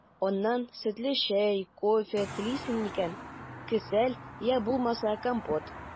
Аннан сөтле чәй, кофе, телисең икән – кесәл, йә булмаса компот.